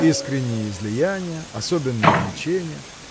Искренние излияния, особенное влечение!